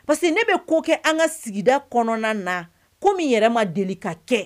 Parce que ne bɛ'o kɛ an ka sigida kɔnɔna na ko min yɛrɛ ma deli ka kɛ